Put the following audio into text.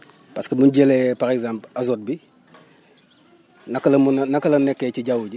parce que bu ñu jëlee par exemple azote bi naka la mën a naka la nekkee ci jaww ji